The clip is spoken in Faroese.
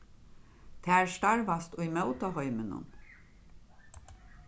tær starvast í mótaheiminum